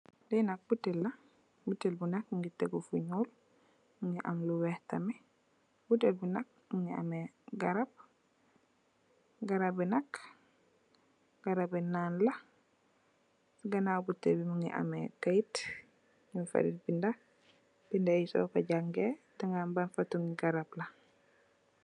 Lii nak butehll la, butehll bii nak mungy tehgu fu njull, mungy am lu wekh tamit, butehll bii nak mungy ameh garab, garab bii nak garabi nan la, ganaw butehll bii mungy ameh keit, njung fa deff binda, binda yii sor kor jangeh danga ham ban fasoni garab la.